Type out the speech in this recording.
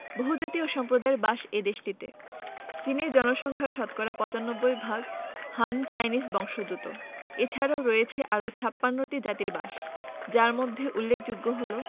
বহুজাতি ও সম্প্রদায়ের বাস এ দেশটিতে চীনের জনসংখ্যা শতকরা ৯৫ ভাগ হান চাইনিজ বংশোদূত এছারাও রয়েছে আরও ৫৬ টি জাতির বাসযার মধ্যে উল্লেখযোগ্য হলো